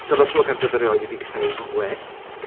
Dyma'r tro cyntaf erioed i fi creu gwisg...